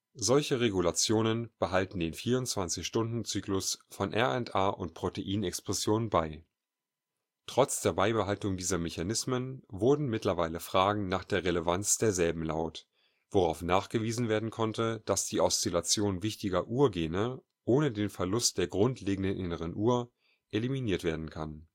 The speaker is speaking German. Solche Regulationen behalten den 24-Stunden-Zyklus von RNA - und Proteinexpression bei. Trotz der Beibehaltung dieser Mechanismen wurden mittlerweile Fragen nach der Relevanz derselben laut, worauf nachgewiesen werden konnte, dass die Oszillation wichtiger „ Uhr “- Gene ohne den Verlust der grundlegenden inneren Uhr eliminiert werden kann